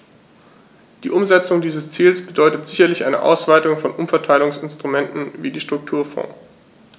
Die Umsetzung dieses Ziels bedeutet sicherlich eine Ausweitung von Umverteilungsinstrumenten wie die Strukturfonds.